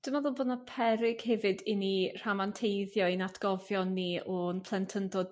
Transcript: Dwi meddwl bo' 'na peryg hefyd i ni rhamanteiddio ein atgofion ni o'n plentyndod